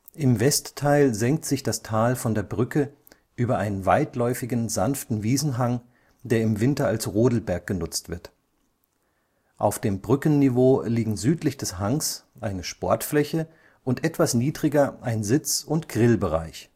Im Westteil senkt sich das Tal von der Brücke über einen weitläufigen sanften Wiesenhang, der im Winter als Rodelberg genutzt wird. Auf dem Brückenniveau liegen südlich des Hangs eine Sportfläche und etwas niedriger ein Sitz - und Grillbereich